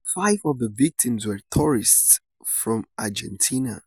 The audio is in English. Five of the victims were tourists from Argentina.